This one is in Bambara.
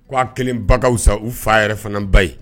Ko a kelen ba ka fisa nu fa yɛrɛ fana ba ye.